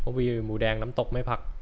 บะหมี่หมููแดงน้ำตกไม่ผัก